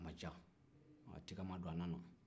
a ma diya maa tɛmɛ don a na na